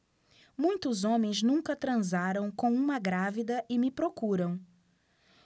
muitos homens nunca transaram com uma grávida e me procuram